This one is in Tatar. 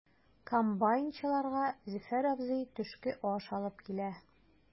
Комбайнчыларга Зөфәр абзый төшке аш алып килә.